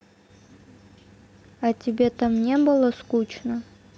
а тебе там не было скучно